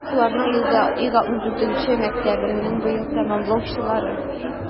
Шуларның 164е - мәктәпне быел тәмамлаучылар.